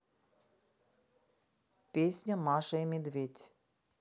песня маша и медведь